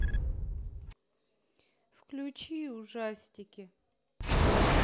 включи ужастики